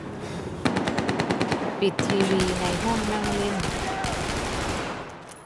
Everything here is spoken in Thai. ปิดทีวีในห้องนั่งเล่น